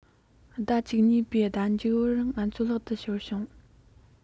ཟླ ༡༢ པའི ཟླ མཇུག བར ང ཚོས ལག ཏུ འབྱོར བྱུང